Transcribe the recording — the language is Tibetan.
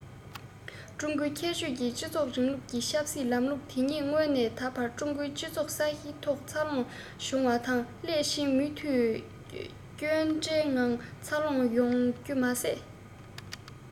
ཀྲུང གོའི ཁྱད ཆོས ཀྱི སྤྱི ཚོགས རིང ལུགས ཀྱི ཆབ སྲིད ལམ ལུགས དེ ཉིད སྔོན ནས ད བར ཀྲུང གོའི སྤྱི ཚོགས ཀྱི ས གཞིའི ཐོག འཚར ལོངས བྱུང བ དང སླད ཕྱིན མུ མཐུད སྐྱོན བྲལ ངང འཚར ལོངས ཡོང རྒྱུ མ ཟད